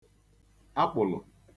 akpụ̀lụ̀